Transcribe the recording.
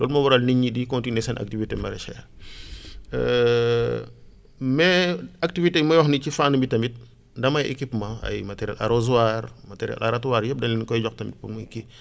loolu moo waral nit ñit di continuer seen activité maraicher mais activité yi ma wax nii ci fànn bi tamit daa am ay équipements ay matériels arrosoirs matériel arrosoir yëpp dañ leen koy jox tamit pour muy kii